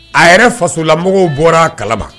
A yɛrɛ fasolamɔgɔw bɔra a kalama